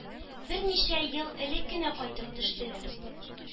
Берничә ел элек кенә кайтып төштеләр.